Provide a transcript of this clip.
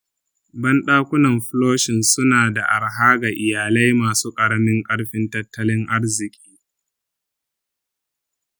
bandakunan flushin suna da arha ga iyalai masu ƙaramin ƙarfin tattalin arziki?